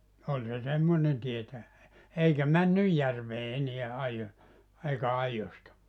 oli se semmoinen tietäjä eikä mennyt järveen enää - eikä aidoista